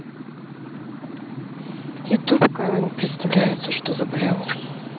youtube coming представляется что заболел